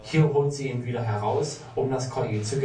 Hier holt sie ihn wieder heraus, um das Collier zu